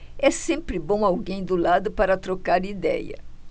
é sempre bom alguém do lado para trocar idéia